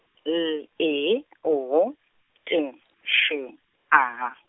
L E O, T, Š, A.